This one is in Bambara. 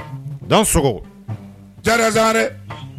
Don sogo diyara dɛ